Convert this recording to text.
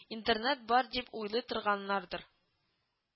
Интернет бар дип уйлый торганнардыр